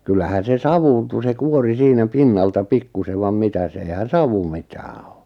kyllähän se savuuntui se kuori siinä pinnalta pikkuisen vaan mitäs eihän savu mitään on